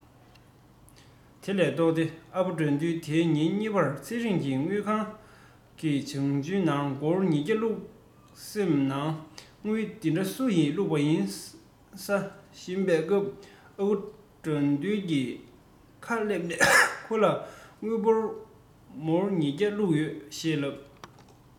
དེ ལས ལྡོག སྟེ ཨ ཕ དགྲ འདུལ དེའི ཉིན གཉིས པར ཚེ རིང གི དངུལ ཁང གི བྱང བུའི ནང སྒོར ཉི བརྒྱ བླུག སེམས ནང དངུལ འདི འདྲ སུ ཡི བླུག པ ཡིན ས བཞིན པའི སྐབས ཨ ཕ དགྲ འདུལ གྱི ཁ སླེབས ནས ཁོ ལ དངུལ སྒོར མོ ཉི བརྒྱ བླུག ཡོད ཞེས ལབ